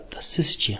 siz chi